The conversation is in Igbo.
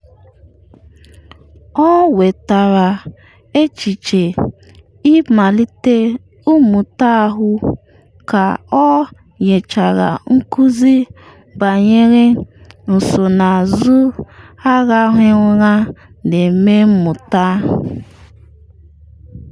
Ọ nwetara echiche ịmalite mmụta ahụ ka ọ nyechara nkuzi banyere nsonazụ arahụghị ụra na-eme mmụta.